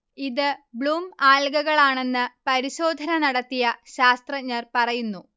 ഇത് ബ്ലും ആൽഗകളാണെന്ന് പരിശോധന നടത്തിയ ശാസ്തജഞർ പറയുന്നു